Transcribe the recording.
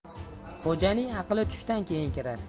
xo'janing aqli tushdan keyin kirar